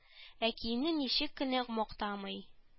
Ә киемне ничек кенә мактамый